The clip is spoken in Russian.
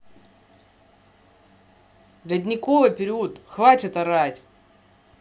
ледниковый период хватит орать